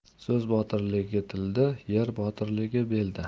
so'z botirligi tilda er botirligi belda